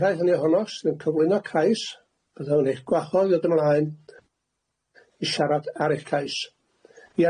I'r rhai hynny ohonoch, sydd yn cyflwyno cais, byddaf yn eich gwahodd i ddod ymlaen i siarad ar eich cais.